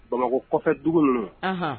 Bamakɔ kɔfɛ dugu ninnu